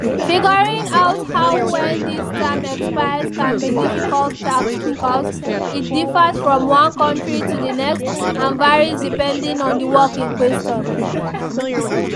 Figuring out how when this term expires can be a difficult task because it differs from one country to the next and varies depending on the work in question.